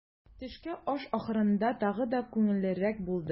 Төшке аш ахырында тагы да күңеллерәк булды.